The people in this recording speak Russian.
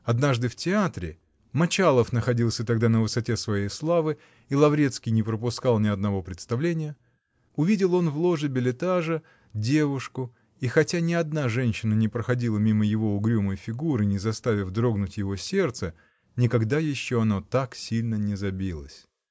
Однажды, в театре (Мочалов находился тогда на высоте своей славы, и Лаврецкий не пропускал ни одного представления), увидел он в ложе бельэтажа девушку, -- и хотя ни одна женщина не проходила мимо его угрюмой фигуры, не заставив дрогнуть его сердце, никогда еще оно так сильно не забилось.